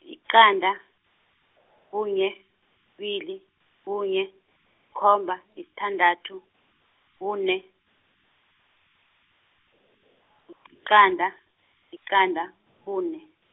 yiqanda, kunye, kubili, kunye, likhomba, yisithandathu, kune, qanda, iqanda, kune.